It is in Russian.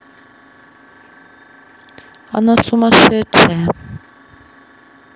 она сумасшедшая